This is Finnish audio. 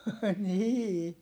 niin